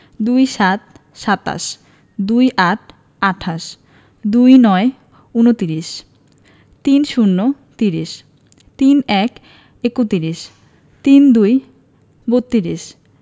২৭ – সাতাশ ২৮ - আটাশ ২৯ -ঊনত্রিশ ৩০ - ত্রিশ ৩১ - একত্রিশ ৩২ - বত্ৰিশ